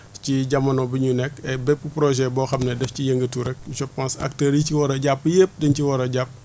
ci jamono bi ñu nekk et bépp prpjet boo xam ne daf ciy yëngatu rek je pense acteurs yi ci war a jàpp yëpp dañ ci war a jàpp